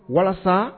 Walasa